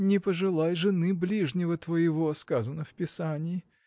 Не пожелай жены ближнего твоего, сказано в писании.